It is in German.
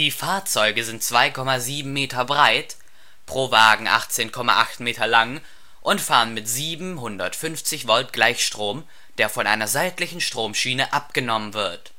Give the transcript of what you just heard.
Fahrzeuge sind 2,7 Meter breit, pro Wagen 18,8 Meter lang und fahren mit 750 Volt Gleichstrom, der von einer seitlichen Stromschiene abgenommen wird